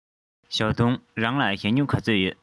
ཞའོ ཧུང རང ལ ཞྭ སྨྱུག ག ཚོད ཡོད